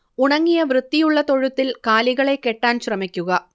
ഉണങ്ങിയ വൃത്തിയുള്ള തൊഴുത്തിൽ കാലികളെ കെട്ടാൻ ശ്രമിക്കുക